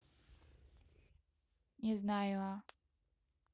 не знаю а